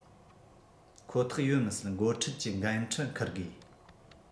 ཁོ ཐག ཡོད མི སྲིད འགོ ཁྲིད ཀྱི འགན འཁྲི འཁུར དགོས